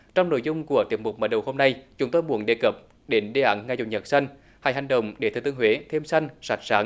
trong nội dung của tiết mục mở đầu hôm nay chúng tôi muốn đề cập đến đề án ngày chủ nhật xanh hãy hành động để thừa thiên huế thêm xanh sạch sắn